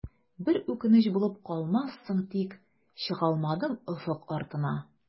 Бер үкенеч булып калмассың тик, чыгалмадым офык артына.